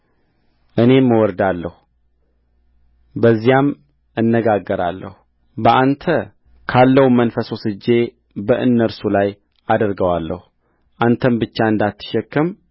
እኔም እወርዳለሁ በዚያም እነጋገርሃለሁ በአንተ ካለውም መንፈስ ወስጄ በእነርሱ ላይ አደርገዋለሁ አንተም ብቻ እንዳትሸከም